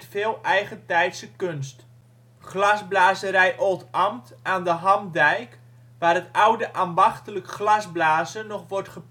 veel eigentijdse kunst. Glasblazerij Old Ambt aan de Hamdijk, waar het oude ambachtelijk glasblazen nog wordt